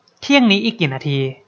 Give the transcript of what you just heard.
เที่ยงนี้อีกกี่นาที